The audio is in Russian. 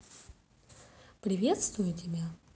приветствую тебя